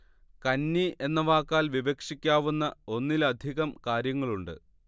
കന്നി എന്ന വാക്കാൽ വിവക്ഷിക്കാവുന്ന ഒന്നിലധികം കാര്യങ്ങളുണ്ട്